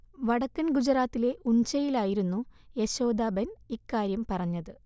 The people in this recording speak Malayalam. വടക്കൻ ഗുജറാത്തിലെ ഉൺചയിലായിരുന്നു യശോദാ ബെൻ ഇക്കാര്യം പറഞ്ഞത്